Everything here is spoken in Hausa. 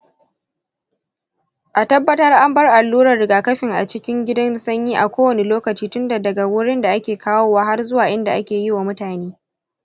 a tabbatar an bar allurar rigakafin a cikin gidan sanyi a kowani lokaci tunda daga wurin da ake kawowa har zuwa inda ake yi wa mutane.